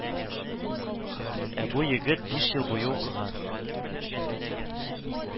Ә бу егет биш ел буе укыган